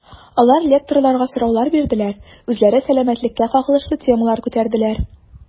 Алар лекторларга сораулар бирделәр, үзләре сәламәтлеккә кагылышлы темалар күтәрделәр.